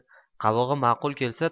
qavig'i ma'qul kelsa